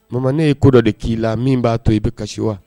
Mama ne ye ko dɔ de k'i la min b'a to i bɛ kasi wa